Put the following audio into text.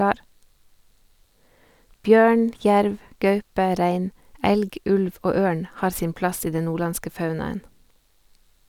Bjørn, jerv , gaupe, rein, elg , ulv og ørn har sin plass i den nordlandske faunaen.